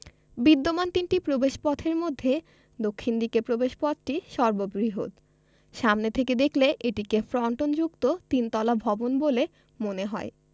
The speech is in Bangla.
বিদ্যমান তিনটি প্রবেশপথের মধ্যে দক্ষিণ দিকের প্রবেশপথটি সর্ববৃহৎ সামনে থেকে দেখলে এটিকে ফ্রন্টনযুক্ত তিন তলা ভবন বলে মনে হয়